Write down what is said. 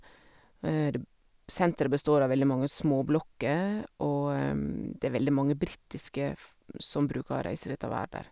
deb Senteret består av veldig mange småblokker, og det er veldig mange britiske f som bruker å reise dit og være der.